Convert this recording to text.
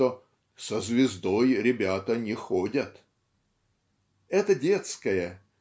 что "со звездой ребята не ходят". Это детское